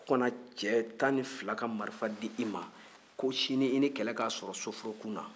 ko ka na cɛ tan ni fila ka marifa di i ma ko sini i ni kɛlɛ k'a sɔrɔ soforokun na